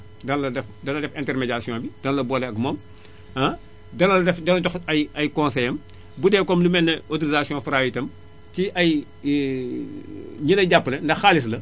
dana la def dana def intermédiation bi dana la boole ak moom dana la def dana la jox ay ay conseils am bu dee comme lu mel ne autorisation Fra itam ci ay éni lay jàppale ndax xaalis la